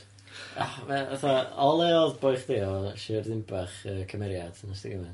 O ma' e fatha o le o'dd boi chdi o'dd o o Shir Ddinbach yy cymeriad nes ti fan 'na?